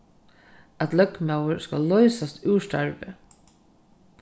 at løgmaður skal loysast úr starvi